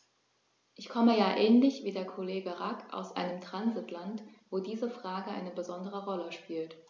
Ich komme ja ähnlich wie der Kollege Rack aus einem Transitland, wo diese Frage eine besondere Rolle spielt.